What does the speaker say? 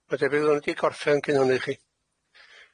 Ma'n debyg fydde ni 'di gorffen cyn hynny chi.